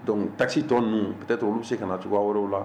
Dɔnku tasi tɔn ninnu katɛ to u bɛ se ka nacogo wɛrɛ la